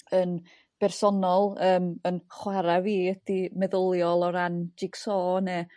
Yn bersonol yrm 'yn chwara' fi ydy meddyliol o ran jig-so, ne'